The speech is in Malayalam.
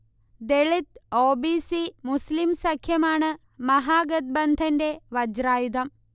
ദളിത്-ഒ. ബി. സി- മുസ്ലീം സഖ്യമാണ് മഹാഗത്ബന്ധന്റെ വജ്രായുധം